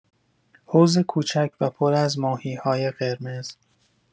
حوض کوچک و پر از ماهی‌های قرمز